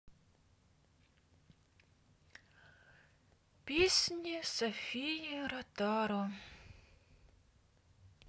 песни софии ротару